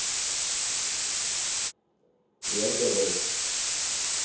я герой